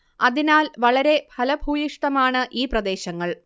അതിനാൽ വളരെ ഫലഭൂയിഷ്ടമാണ് ഈ പ്രദേശങ്ങൾ